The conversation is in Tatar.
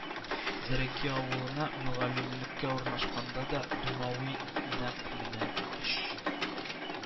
Зәрәки авылына мөгаллимлеккә урнашканда да Думави нәкъ менә өч